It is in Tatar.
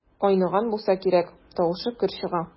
Айныган булса кирәк, тавышы көр чыга.